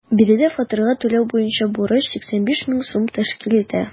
Биредә фатирга түләү буенча бурыч 85 мең сум тәшкил итә.